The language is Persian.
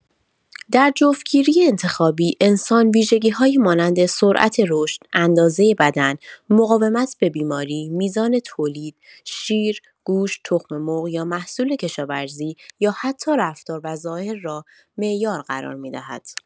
در جفت‌گیری انتخابی، انسان ویژگی‌هایی مانند سرعت رشد، اندازه بدن، مقاومت به بیماری، میزان تولید (شیر، گوشت، تخم‌مرغ یا محصول کشاورزی) یا حتی رفتار و ظاهر را معیار قرار می‌دهد.